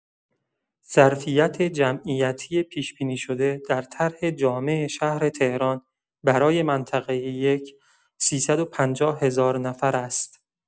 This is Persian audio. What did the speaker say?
ظرفیت جمعیتی پیش‌بینی شده در طرح جامع شهر تهران برای منطقه یک ۳۵۰۰۰۰ نفر است.